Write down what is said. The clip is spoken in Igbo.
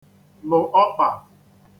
lụ̀ ọkpà